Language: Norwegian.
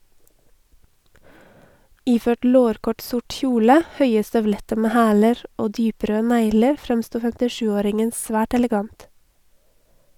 Iført lårkort sort kjole, høye støvletter med hæler og dyprøde negler fremsto 57-åringen svært elegant.